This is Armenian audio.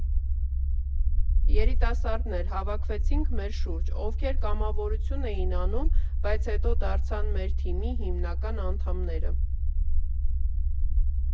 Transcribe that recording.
Երիտասարդներ հավաքեցինք մեր շուրջ, ովքեր կամավորություն էին անում, բայց հետո դարձան մեր թիմի հիմնական անդամները։